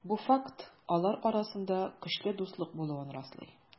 Бу факт алар арасында көчле дуслык булуын раслый.